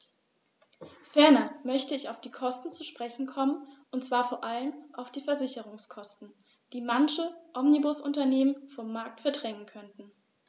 Ferner möchte ich auf die Kosten zu sprechen kommen, und zwar vor allem auf die Versicherungskosten, die manche Omnibusunternehmen vom Markt verdrängen könnten.